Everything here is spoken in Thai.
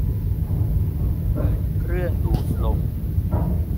เปิดเครื่องดูดลม